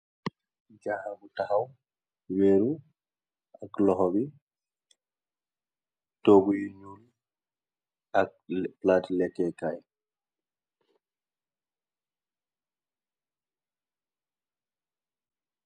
Jaaxa bu taxaw weeru ak loxo bi toggu yu nul ak plaatu lekkekaay.